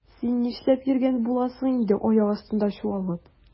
Син нишләп йөргән буласың инде аяк астында чуалып?